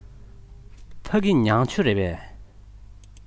ཕ གི མྱང ཆུ རེད པས